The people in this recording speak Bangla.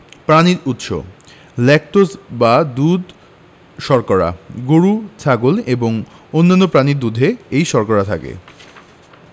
প্রানিজ উৎস ল্যাকটোজ বা দুধ শর্করা গরু ছাগল এবং অন্যান্য প্রাণীর দুধে এই শর্করা থাকে